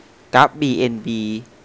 กราฟบีเอ็นบี